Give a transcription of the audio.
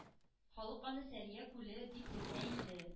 Халык аны Сәрия күле дип йөртә иде.